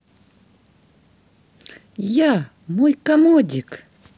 я мой комодик